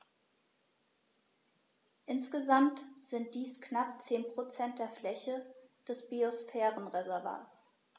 Insgesamt sind dies knapp 10 % der Fläche des Biosphärenreservates.